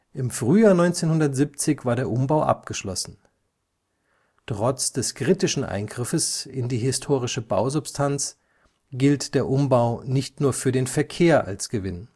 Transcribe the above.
Im Frühsommer 1970 war der Umbau abgeschlossen. Trotz des kritischen Eingriffes in die historische Bausubstanz gilt der Umbau nicht nur für den Verkehr als Gewinn